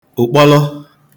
ụkpọlọ